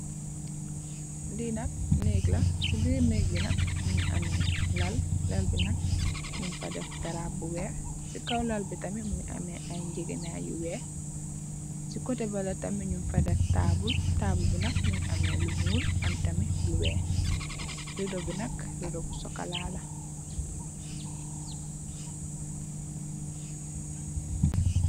Li nak neeg la si birr neeg bi nak mongi ame laal laal bi nak nyun fa def dara yu weex si kaw laal bi tamit mongi am ay ngegenay yu weex si kote bele tamit nyun fa def tabul tabul bi nak mongi ame lu nuul am tamit lu weex redo bi nak redo bu cxocola la.